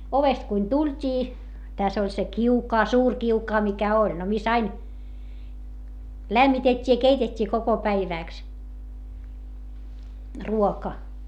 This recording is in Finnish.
ovesta kun tultiin tässä oli se kiukaan suuri kiukaan mikä oli no missä aina lämmitettiin ja keitettiin koko päiväksi ruoka